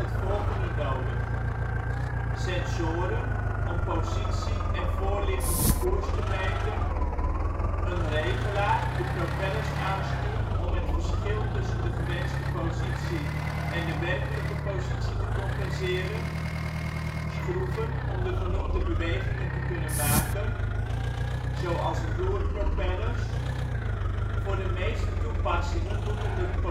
volgende nodig: Sensoren, om positie en voorliggende koers te meten. Een regelaar die de propellers aanstuurt om het verschil tussen de gewenste positie en de werkelijke positie te compenseren. Schroeven om de genoemde bewegingen te kunnen maken, zoals (roer) propellers. Voor de meeste toepassingen moeten de positiereferentiesystemen